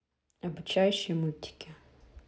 обучающие мультики